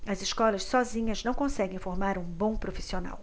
as escolas sozinhas não conseguem formar um bom profissional